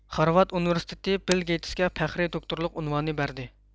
خارۋارد ئۇنىۋېرسىتېتى بىل گېيتىسكە پەخرىي دوكتورلۇق ئۇنۋانى بەردى